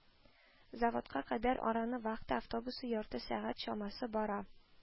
Заводка кадәр араны вахта автобусы ярты сәгать чамасы бара